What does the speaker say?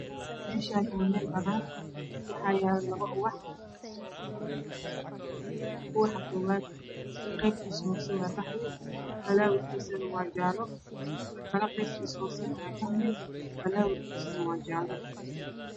Meeshaani waa meel banaan ah waxaa yaalo labo ubax ubaxa koowaad qaybtiisa hoose waa qaxwi falaawerkiisana waa jaalo kan kale qaybtiisa hoosa qaxwi falaawerkisana waa jaalo